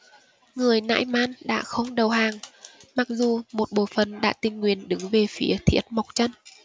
người nãi man đã không đầu hàng mặc dù một bộ phận đã tình nguyện đứng về phía thiết mộc chân